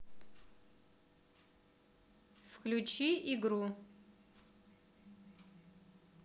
включи игру